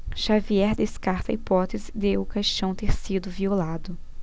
xavier descarta a hipótese de o caixão ter sido violado